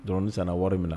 Drone san na wari min na.